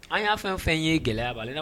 An y'a fɛn fɛn ye gɛlɛya bali